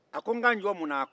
a ko n ka jɔ munna